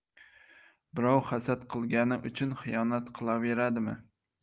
birov hasad qilgani uchun xiyonat qilaveradimi